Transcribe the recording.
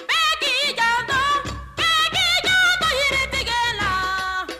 Bɛɛ k'i janto bɛɛ k'i janto yiritigɛ laa